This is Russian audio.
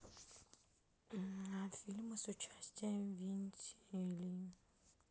фильмы с участием вивьен ли